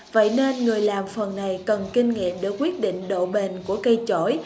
vậy nên người làm phần này cần kinh nghiệm để quyết định độ bền của cây chổi